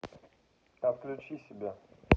отключи себя